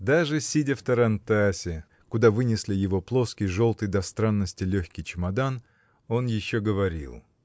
Даже сидя в тарантасе, куда вынесли его плоский, желтый, до странности легкий чемодан, он еще говорил